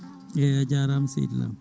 eyyi a jarama seydi Lam